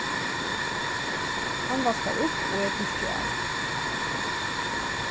hann vaskar upp og eg turki av